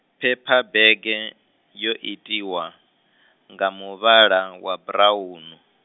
phephabege, yo itiwa, nga muvhala wa buraunu.